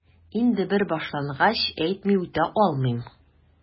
Инде бер башлангач, әйтми үтә алмыйм...